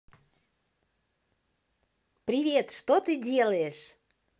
привет ты что делаешь